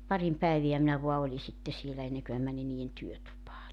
parin päivää minä vain olin sitten siellä ennen kuin minä menin niiden työtupaan